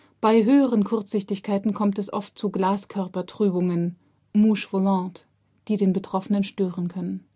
Bei höheren Kurzsichtigkeiten kommt es oft zu Glaskörpertrübungen (Mouches volantes), die den Betroffenen stören können